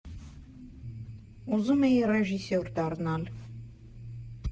Ուզում էի ռեժիսոր դառնալ։